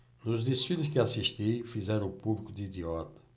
nos desfiles que assisti fizeram o público de idiota